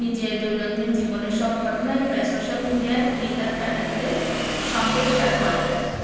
নিজের দৈনন্দিন জীবনের সব ঘটনাই প্রায় সোশ্যাল মিডিয়ায় তিনি তার ফ্যানেদের সঙ্গে শেয়ার করেন